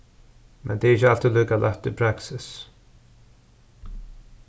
men tað er ikki altíð líka lætt í praksis